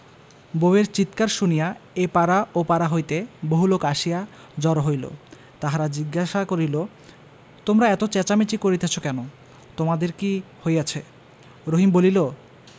বউ এর চিৎকার শুনিয়া এ পাড়া ও পাড়া হইতে বহুলোক আসিয়া জড় হইল তাহারা জিজ্ঞাসা করিল তোমরা এত চেঁচামেচি করিতেছ কেন তোমাদের কি হইয়াছে রহিম বলিল